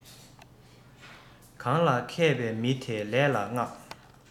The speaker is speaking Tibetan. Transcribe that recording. གང ལ མཁས པའི མི དེ ལས ལ མངགས